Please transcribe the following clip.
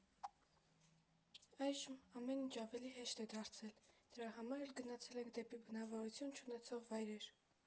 Այժմ ամեն ինչ ավելի հեշտ է դարձել, դրա համար էլ գնացել ենք դեպի բնավորություն չունեցող վայրեր։